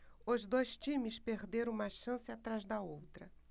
os dois times perderam uma chance atrás da outra